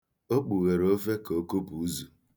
O kpughere ofe ka o kupu uzu.